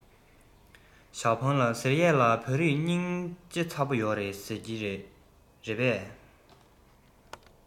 ཞའོ ཧྥུང ལགས ཟེར ཡས ལ བོད རིགས སྙིང རྗེ ཚ པོ ཡོད རེད ཟེར གྱིས རེད པས